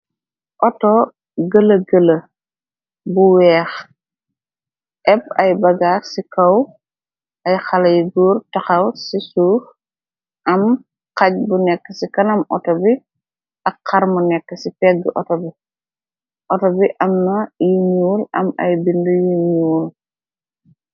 Outo gëla gëla bu weex, épp ay bagaas ci kaw, ay xalay guur taxaw ci suux, am xaj bu nekk ci kanam auto bi, ak xarmu nekk ci pegg auto bi, auto bi am na yu ñuul, am ay bind yu ñuul.